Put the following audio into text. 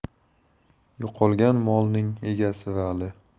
yo'qolgan molning egasi vali